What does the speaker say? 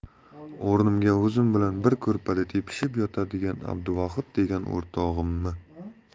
o'rnimga o'zim bilan bir ko'rpada tepishib yotadigan abduvohid degan o'rtog'immi